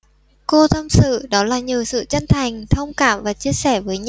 cô tâm sự đó là nhờ sự chân thành thông cảm và chia sẻ với nhau